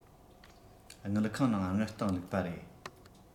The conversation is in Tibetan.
དངུལ ཁང ནང དངུལ སྟེང བླུགས པ རེད